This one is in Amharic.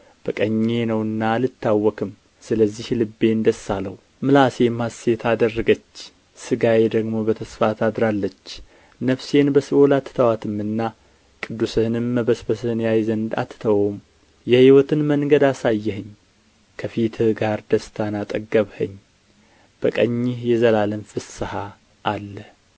በቀኜ ነውና አልታወክም ስለዚህ ልቤን ደስ አለው ምላሴም ሐሴት አደረገች ሥጋዬም ደግሞ በተስፋ ታድራለች ነፍሴን በሲኦል አትተዋትምና ቅዱስህንም መበስበስን ያይ ዘንድ አትተወውም የሕይወትን መንገድ አሳየኸኝ ከፊትህ ጋር ደስታን አጠገብኸኝ በቀኝህም የዘላለም ፍሥሐ አለ